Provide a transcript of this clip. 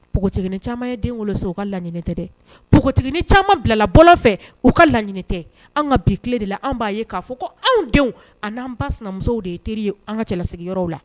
Npogotigiini caman ye den sɔrɔ u ka laɲini tɛ dɛ npogotigiini caman bilalabɔlɔ fɛ u ka laɲiniinɛ tɛ an ka bi tile de la an b'a ye k'a fɔ ko anw denw ani'an ba sinamuso de ye teri ye an ka cɛlasigiw la